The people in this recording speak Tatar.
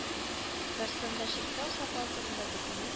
Татарстанда чиркәү саклау турында документ